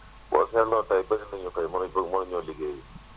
boo seetloo tey bëri na xëy mënuñ ko mënuñoo liggéeyi